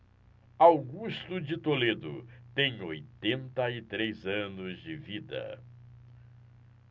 augusto de toledo tem oitenta e três anos de vida